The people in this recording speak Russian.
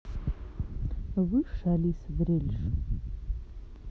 высшая алиса дрелишь